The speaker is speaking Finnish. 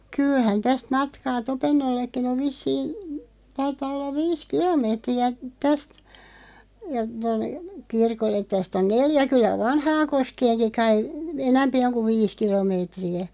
kyllähän tästä matkaa Topennollekin on vissiin taitaa olla viisi kilometriä tästä ja tuonne kirkolle tästä on neljä kyllä Vanhaankoskeenkin kai enempi on kuin viisi kilometriä